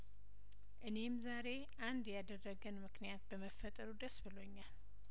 እኔም ዛሬ አንድ ያደረገን ምክንያት በመፈጠሩ ደስብሎኛል